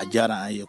A diyara a ye